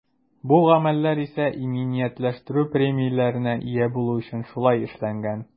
Бу гамәлләр исә иминиятләштерү премияләренә ия булу өчен шулай эшләнгән.